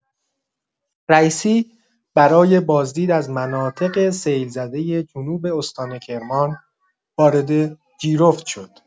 رئیسی برای بازدید از مناطق سیل‌زده جنوب استان کرمان، وارد جیرفت شد.